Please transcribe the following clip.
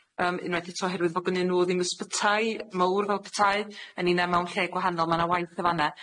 yym unwaith eto oherwydd bo' gynnyn nw ddim ysbytai mowr fel petai. A ninna' mewn lle gwahanol, ma' 'na waith yn fan'ne.